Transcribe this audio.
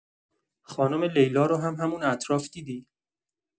خانم لیلا رو هم همون اطراف دیدی؟